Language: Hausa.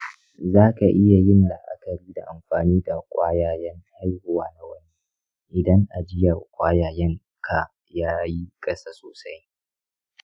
za ka iya yin la’akari da amfani da ƙwayayen haihuwa na wani idan ajiyar ƙwayayen ka ya yi ƙasa sosai.